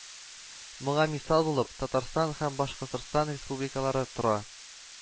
Моңа мисал булып Татарстан һәм Башкортстан Республикалары тора